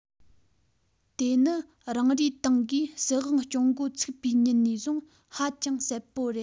དེ ནི རང རེའི ཏང གིས སྲིད དབང སྐྱོང འགོ ཚུགས པའི ཉིན ནས བཟུང ཧ ཅང གསལ པོ རེད